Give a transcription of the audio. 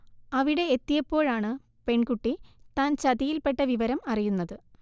അവിടെ എത്തിയപ്പോഴാണ് പെൺകുട്ടി താൻ ചതിയിൽപ്പെട്ട വിവരം അറിയുന്നത്